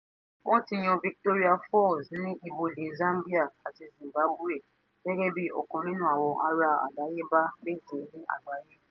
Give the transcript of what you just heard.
Wọ́n ti yan Victoria Falls ní ibodè Zambia àti Zimbabwe gẹ́gẹ́ bíi ọ̀kan nínú àwọn àrà àdáyébá méje ní àgbáyé.